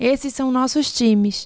esses são nossos times